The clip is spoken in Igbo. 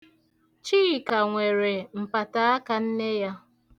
Chika nwere mpataaka nne ya.